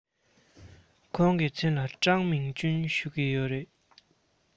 ཁོང གི མཚན ལ ཀྲང མིང ཅུན ཞུ གི ཡོད རེད